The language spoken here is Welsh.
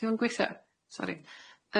'Di o'n, gweithio? Sori.